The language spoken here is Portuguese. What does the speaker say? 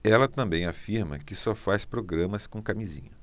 ela também afirma que só faz programas com camisinha